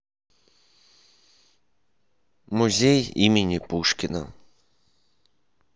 музей имени пушкина